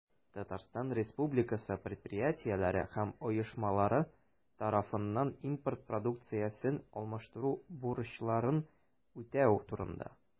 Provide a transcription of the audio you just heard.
Татарстан Республикасы предприятиеләре һәм оешмалары тарафыннан импорт продукциясен алмаштыру бурычларын үтәү турында.